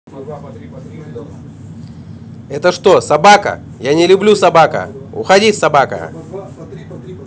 это что собака я не люблю собака уходи собака